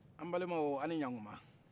a ni ɲakuma